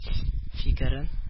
Фикерен